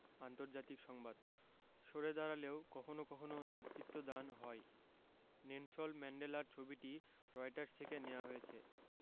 আন্তর্জাতিক সংবাদ সরে দাঁড়ালেও কখনো কখনো নেতৃত্বদান হয় নেলসন ম্যান্ডেলার ছবিটি রয়টার্স থেকে নেয়া হয়েছে